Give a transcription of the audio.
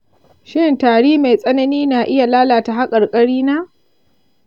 shin tari mai tsanani na iya lalata haƙarƙari na?